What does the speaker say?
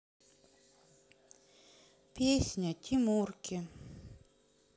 песня тимурки